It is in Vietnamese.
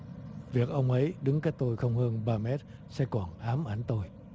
việc ông ấy đứng cách tôi không hơn ba mét sẽ còn ám ảnh tôi